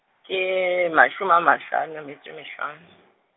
ke mashome a mahlano a metso e mehlano.